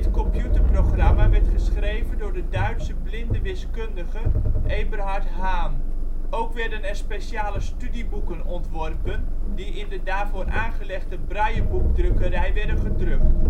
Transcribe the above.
computerprogramma werd geschreven door de Duitse blinde wiskundige Eberhard Hahn. Ook werden er speciale studieboeken ontworpen die in de daarvoor aangelegde brailleboekdrukkerij werden gedrukt